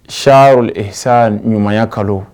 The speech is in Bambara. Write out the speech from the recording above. Sa sa ɲumanya kalo